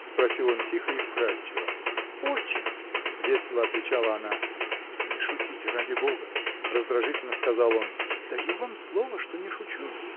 — спросил он тихо и вкрадчиво. — Очень! — весело отвечала она. — Не шутите, ради Бога! — раздражительно сказал он. — Даю вам слово, что не шучу.